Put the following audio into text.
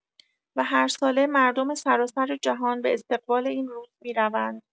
و هر ساله مردم سراسر جهان به استقبال این روز می‌روند.